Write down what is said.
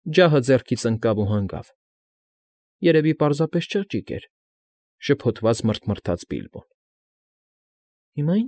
Ջահը ձեռքից ընկավ ու հանգավ։ «Երևի պարզապես չղջիկ էր,֊ շփոթված մռթմռթաց Բիլբոն։֊ Հիմա։